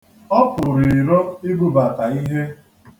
Ọ pụrụ iro ibubata ihe.